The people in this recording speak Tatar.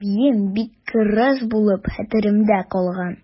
Әбием бик кырыс булып хәтеремдә калган.